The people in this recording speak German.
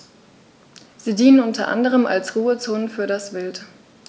Sie dienen unter anderem als Ruhezonen für das Wild.